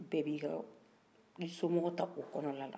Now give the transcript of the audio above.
bɛɛ b'i somɔgɔ t'o konɔnanan